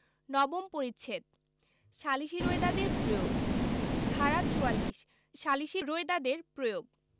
নবম পরিচ্ছেদ সালিসী রোয়েদাদের প্রয়োগ ধারা ৪৪ সালিসী রোয়েদাদের প্রয়োগ